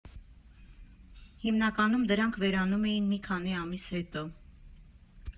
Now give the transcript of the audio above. Հիմնականում դրանք վերանում էին մի քանի ամիս հետո։